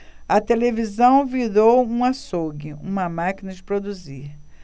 a televisão virou um açougue uma máquina de produzir